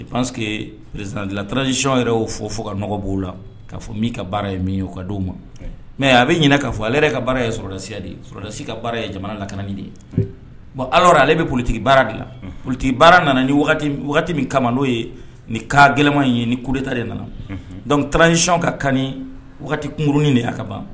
Se quezdilazsiɔn yɛrɛ y'o fɔ fo ka nɔgɔ b'o la kaa fɔ min ka baara ye ye o ka di' ma mɛ a bɛ ɲin k kaa fɔ ale yɛrɛ ka baara yedasiya de yedasi ka baara ye jamana lak de ye bɔn ala ale bɛ politigi baara dilan ptigi baara nana ni min kama n'o ye ni ka gɛlɛnma in ɲini koleta de nana dɔnkuc tzsiɔn ka kankurunin de y'a ka ban